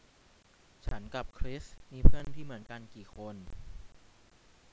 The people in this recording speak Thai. ฉันกับคริสมีเพื่อนที่เหมือนกันกี่คน